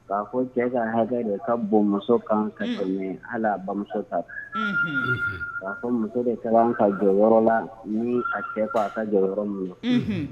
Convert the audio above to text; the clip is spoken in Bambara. K'a fɔ cɛ ka hɛkɛ de ka bon muso kan ka tɛmi hal'a bamuso ta kan unhun k'a fɔ muso de ka kan ka jɔ yɔrɔ la nii a cɛ ko a ka jɔ yɔrɔ mun na unhun